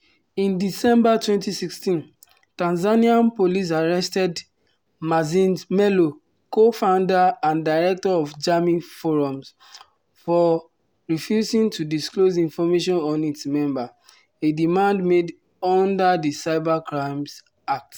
In December 2016, Tanzanian police arrested Maxence Melo, co-founder, and director of Jamii Forums, for refusing to disclose information on its members, a demand made under the Cybercrimes Act.